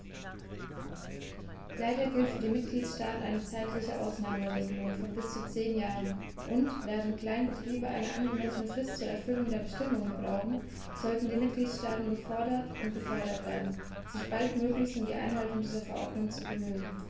Leider gilt für die Mitgliedstaaten eine zeitliche Ausnahmeregelung von bis zu zehn Jahren, und, während Kleinbetriebe eine angemessene Frist zur Erfüllung der Bestimmungen brauchen, sollten die Mitgliedstaaten gefordert und gefördert werden, sich baldmöglichst um die Einhaltung dieser Verordnung zu bemühen.